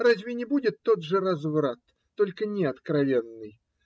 Разве не будет тот же разврат, только не откровенный?